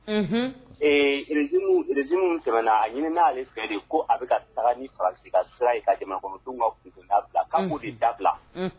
Hund tɛmɛna a ɲini n'ale fɛ de ko a bɛ sara ni farasi ka sira ka ka dabila ka kun dabila